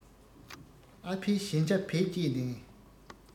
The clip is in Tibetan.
ཨ ཕའི གཞན ཆ བེད སྤྱད ནས